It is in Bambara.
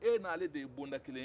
e n'ale de ye bon da kelen ye